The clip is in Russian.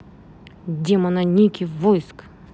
демона ники войск